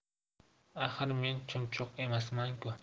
axir men chumchuq emasmanku